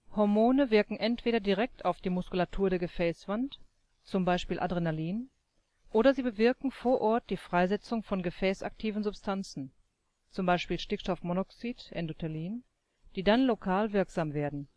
Hormone wirken entweder direkt auf die Muskulatur der Gefäßwand (z. B. Adrenalin), oder sie bewirken vor Ort die Freisetzung von gefäßaktiven Substanzen (z. B. Stickstoffmonoxid, Endothelin), die dann lokal wirksam werden